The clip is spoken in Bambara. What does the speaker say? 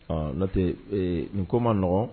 N' tɛ nin ko ma nɔgɔn